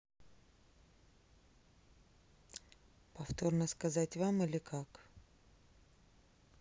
повторно сказать вам или как